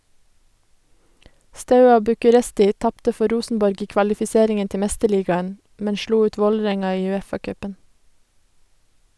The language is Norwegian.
Steaua Bucuresti tapte for Rosenborg i kvalifiseringen til mesterligaen, men slo ut Vålerenga i UEFA-cupen.